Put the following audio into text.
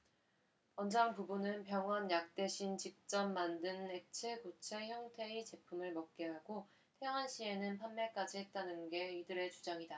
원장 부부는 병원 약 대신 직접 만든 액체 고체 형태의 제품을 먹게 하고 퇴원 시에는 판매까지 했다는 게 이들의 주장이다